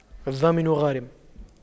الضامن غارم